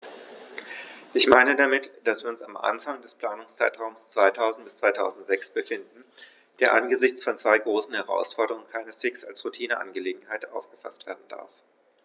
Ich meine damit, dass wir uns am Anfang des Planungszeitraums 2000-2006 befinden, der angesichts von zwei großen Herausforderungen keineswegs als Routineangelegenheit aufgefaßt werden darf.